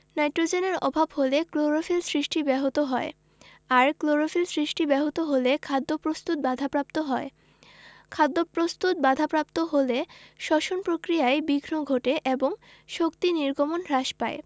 নাইট্রোজেনের অভাব হলে ক্লোরোফিল সৃষ্টি ব্যাহত হয় আর ক্লোরোফিল সৃষ্টি ব্যাহত হলে খাদ্য প্রস্তুত বাধাপ্রাপ্ত হয় খাদ্যপ্রস্তুত বাধাপ্রাপ্ত হলে শ্বসন প্রক্রিয়ায় বিঘ্ন ঘটে এবং শক্তি নির্গমন হ্রাস পায়